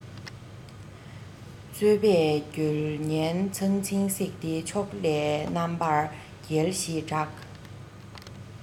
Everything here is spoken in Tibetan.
རྩོད པས རྒོལ ངན ཚང ཚིང བསྲེགས ཏེ ཕྱོགས ལས རྣམ པར རྒྱལ ཞེས གྲགས